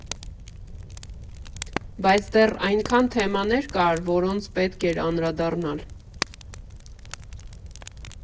Բայց դեռ այնքան թեմաներ կան, որոնց պետք էր անդրադառնալ։